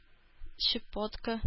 Щепотка